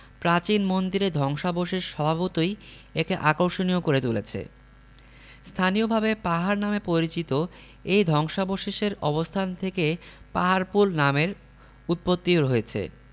প্রাচীন মন্দিরের ধ্বংসাবশেষ স্বভাবতই একে আকর্ষণীয় করে তুলেছে স্থানীয়ভাবে পাহাড় নামে পরিচিত এ ধ্বংসাবশেষের অবস্থান থেকে পাহাড়পুর নামের উৎপত্তি হয়েছে